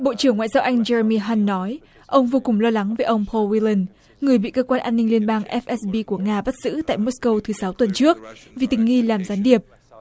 bộ trưởng ngoại giao anh giơ mi hăn nói ông vô cùng lo lắng về ông hô guy lừn người bị cơ quan an ninh liên bang ép ét bi của nga bắt giữ tại mớt câu thứ sáu tuần trước vì tình nghi làm gián điệp